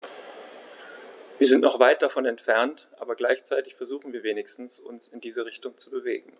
Wir sind noch weit davon entfernt, aber gleichzeitig versuchen wir wenigstens, uns in diese Richtung zu bewegen.